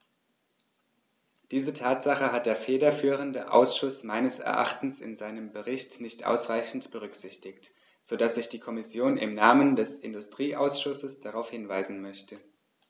Diese Tatsache hat der federführende Ausschuss meines Erachtens in seinem Bericht nicht ausreichend berücksichtigt, so dass ich die Kommission im Namen des Industrieausschusses darauf hinweisen möchte.